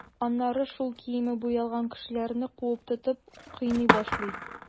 Аннары шул киеме буялган кешеләрне куып тотып, кыйный башлый.